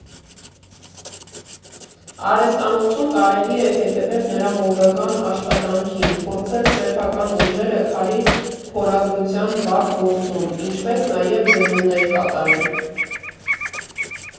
Արհեստանոցում կարելի է հետևել նրա մոգական աշխատանքին, փորձել սեփական ուժերը քարի փորագրության բարդ գործում, ինչպես նաև գնումներ կատարել։